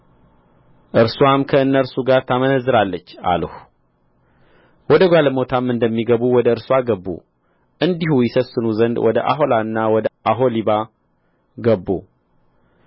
እርስዋም ከእነርሱ ጋር ታመነዝራለች አልሁ ወደ ጋለሞታም እንደሚገቡ ወደ እርስዋ ገቡ እንዲሁ ይሰስኑ ዘንድ ወደ ኦሖላና ወደ ኦሖሊባ ገቡ